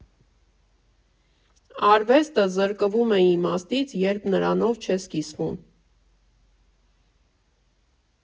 «Արվեստը զրկվում է իմաստից, երբ նրանով չես կիսվում։